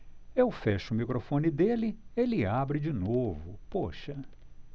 eu fecho o microfone dele ele abre de novo poxa